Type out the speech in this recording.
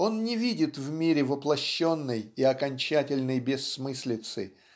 он не видит в мире воплощенной и окончательной бессмыслицы